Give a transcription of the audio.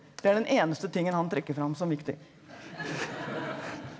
det er den eneste tingen han trekker fram som viktig.